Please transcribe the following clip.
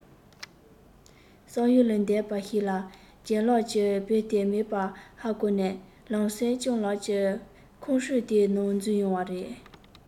བསམ ཡུལ ལས འདས པ ཞིག ལ ལྗད ལགས ཀྱིས བེའུ དེ མེད པ ཧ གོ ནས ལམ སེང སྤྱང ལགས ཀྱི ཁང ཧྲུལ དེའི ནང འཛུལ ཡོང བ རེད